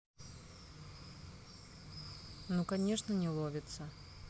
ну конечно не ловится